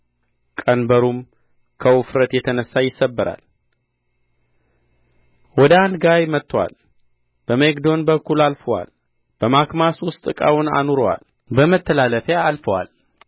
ቀንበሩም ከውፍረት የተነሣ ይሰበራል ወደ አንጋይ መጥቶአል በመጌዶን በኩል አልፎአል በማክማስ ውስጥ ዕቃውን አኑሮአል በመተላለፊያ አልፎአል